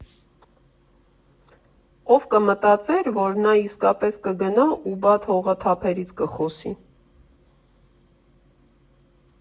Ո՞վ կմտածեր, որ նա իսկապես կգնա ու բադ֊հողաթափերից կխոսի։